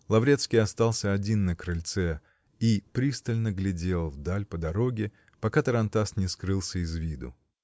Лаврецкий остался один на крыльце -- и пристально глядел вдаль по дороге, пока тарантас не скрылся из виду.